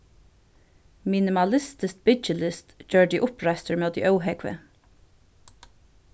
minimalistisk byggilist gjørdi uppreistur móti óhógvi